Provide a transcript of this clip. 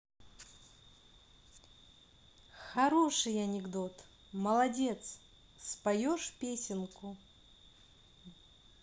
хороший анекдот молодец споешь песенку